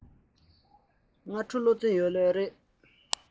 ཕྱི དྲོ སློབ ཚན ཡོད རེད པས